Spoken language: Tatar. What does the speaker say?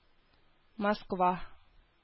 Москва